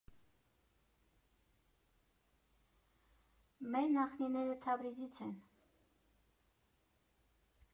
«Մեր նախնիները Թավրիզից են։